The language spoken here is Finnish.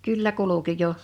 kyllä kulki jo